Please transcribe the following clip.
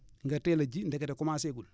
nga teel a ji ndekete commencé gul